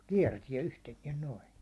kiertää yhtenään noin